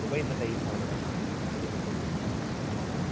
the way that they've fallen out now, I don't think they can come back from it.